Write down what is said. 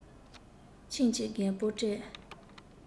ཁྱིམ ཀྱི རྒད པོར སྤྲད